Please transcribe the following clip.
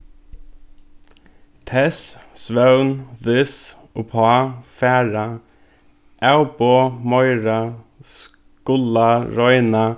tess svøvn this uppá fara avboð meira skula royna